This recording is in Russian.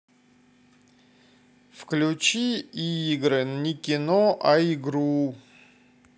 включи игры не кино а игру